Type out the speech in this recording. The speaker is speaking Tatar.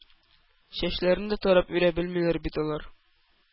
Чәчләрен дә тарап үрә белмиләр бит алар...